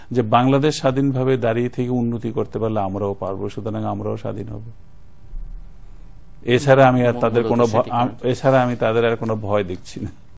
যে বাংলাদেশ স্বাধীন ভাবে দাঁড়িয়ে থেকে উন্নতি করতে পারলে আমরাও পারবো সুতরাং আমরাও স্বাধীন হব এছাড়া আমি আর তাদের কোন এছাড়া আমি তাদের আর কোন ভয় দেখছি না